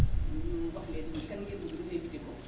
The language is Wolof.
énu wax leen kan****